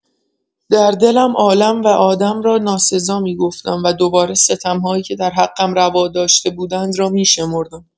در دلم عالم و آدم را ناسزا می‌گفتم و دوباره ستم‌هایی که در حقم روا داشته بودند را می‌شمردم.